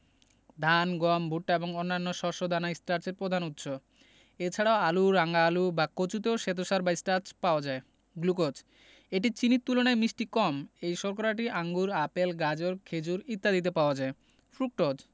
ধান গম ভুট্টা এবং অন্যান্য শস্য দানা স্টার্চের প্রধান উৎস এছাড়া আলু রাঙা আলু বা কচুতেও শ্বেতসার বা স্টার্চ পাওয়া যায় গ্লুকোজ এটি চিনির তুলনায় মিষ্টি কম এই শর্করাটি আঙুর আপেল গাজর খেজুর ইত্যাদিতে পাওয়া যায় ফ্রুকটজ